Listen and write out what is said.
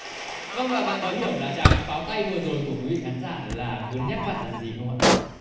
vâng và bạn có hiểu là tràng pháo tay vừa rồi của quý vị khán giả là muốn nhắc bạn làm gì không ạ